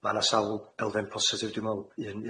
Yym ma' 'na sawl elfen positif dwi me'wl,